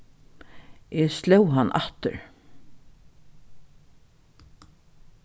eg sló hann aftur